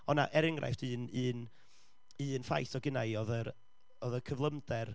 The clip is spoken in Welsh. oedd 'na, er enghraifft, un, un, un ffaith oedd genna i oedd yr oedd y cyflymder